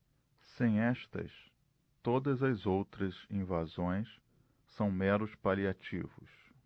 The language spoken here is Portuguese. sem estas todas as outras invasões são meros paliativos